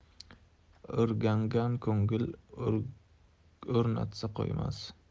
o'rgangan ko'ngil o'rtansa qo'ymas